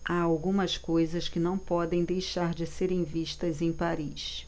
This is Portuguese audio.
há algumas coisas que não podem deixar de serem vistas em paris